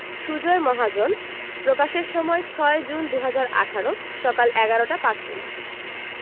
সুজয় মহাজন প্রকাশের সময় ৬জুন ২০১৮ সকাল ১১টা ৫ মিনিট